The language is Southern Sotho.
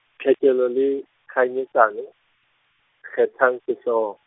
Tlhekelo le Kganyetsano, kgethang sehlooho.